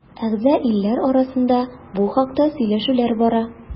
Әгъза илләр арасында бу хакта сөйләшүләр бара.